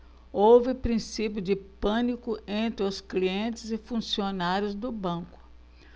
houve princípio de pânico entre os clientes e funcionários do banco